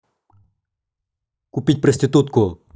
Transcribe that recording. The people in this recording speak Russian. купить проститутку